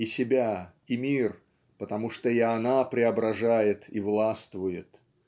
и себя, и мир, потому что и она преображает и властвует.